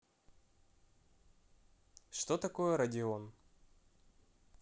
что такое родион